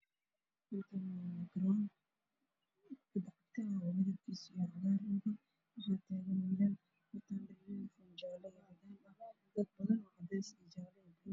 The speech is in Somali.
Meshan waxaa tagan wilal midka usokeeyo wuxuu wataa funanad iyo Buumo yaale ah